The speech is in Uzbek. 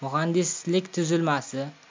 muhandislik tuzilmasi